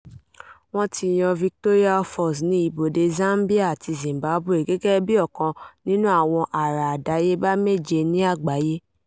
Wọ́n ti yan Victoria Falls ní ibodè Zambia àti Zimbabwe gẹ́gẹ́ bíi ọ̀kan nínú àwọn àrà àdáyébá méje ní àgbáyé.